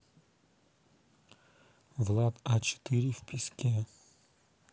влад а четыре в песке